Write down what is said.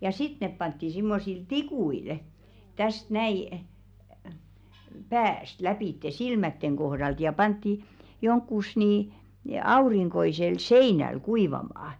ja sitten ne pantiin semmoisilla tikuilla tästä näin päästä lävitse silmien kohdalta ja pantiin johonkin niin aurinkoiselle seinälle kuivamaan